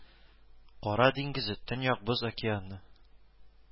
Кара диңгезе, Төньяк Боз океаны